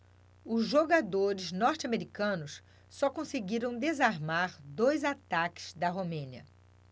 os jogadores norte-americanos só conseguiram desarmar dois ataques da romênia